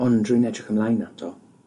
ond rwi'n edrych ymlaen ato.